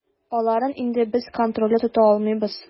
Аларын инде без контрольдә тота алмыйбыз.